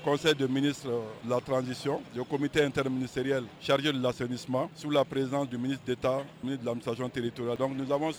7 don sɔrɔ latransisi cote inre minireya sariyarijri lasesima sugulaprezd de taa ni mitere to